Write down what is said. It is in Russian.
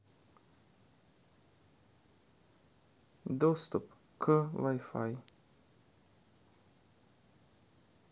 доступ к wi fi